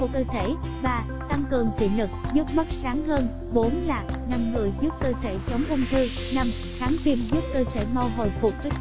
tăng cường thị lực giúp mắt sáng hơn là ngăn ngừa giúp cơ thể chống ung thư kháng viêm giúp cơ thể mau hồi phục vết thương